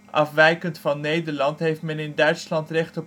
Afwijkend van Nederland heeft men in Duitsland recht